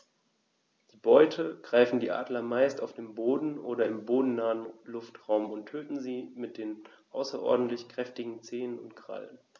Die Beute greifen die Adler meist auf dem Boden oder im bodennahen Luftraum und töten sie mit den außerordentlich kräftigen Zehen und Krallen.